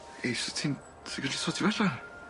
Ey sa ti'n sa ti gallu sortio fo allan?